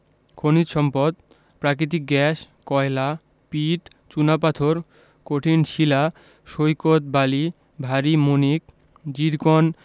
খনিজ সম্পদঃ প্রাকৃতিক গ্যাস কয়লা পিট চুনাপাথর কঠিন শিলা সৈকত বালি ভারি মণিক জিরকন